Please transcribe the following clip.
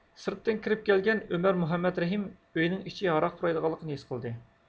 سىرتتىن كىرىپ كەلگەن ئۆمەر مۇھەممەترېھىم ئۆينىڭ ئىچى ھاراق پۇرايدىغانلىغىنى ھېس قىلدى